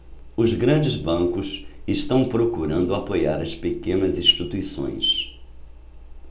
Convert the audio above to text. os grandes bancos estão procurando apoiar as pequenas instituições